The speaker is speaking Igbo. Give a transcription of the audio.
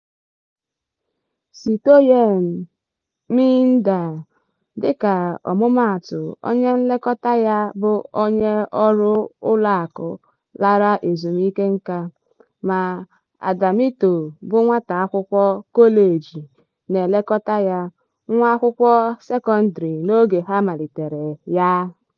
Citoyen Hmida, dịka ọmụmaatụ, onye nlekọta ya bụ onye ọrụ ụlọakụ lara ezumike nka; ma Adamito bụ nwata akwụkwọ kọleji na-elekọta ya (nwa akwụkwọ sekọndrị n'oge ha malitere ya).